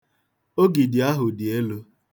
Ogidi ahụ dị elu.